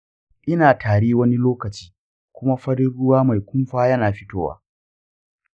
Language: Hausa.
ina tari wani lokaci kuma farin ruwa mai kumfa yana fitowa.